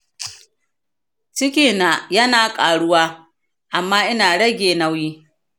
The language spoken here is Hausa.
cikin na yana ƙaruwa amma ina rage nauyi.